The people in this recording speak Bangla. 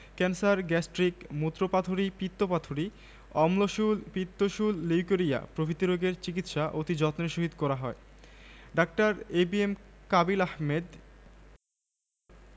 ১২ বিজ্ঞাপন আশির দশকের বিজ্ঞাপন আলফা গোল্ড সর্ব প্রকার দুর্বলতা দূরীকরণের জন্য আল্ ফা গোল্ড টনিক –বল বীর্য ও শক্তির জন্য হোমিও ভিটামিন এখানে মানসিক রোগ এ্যজমা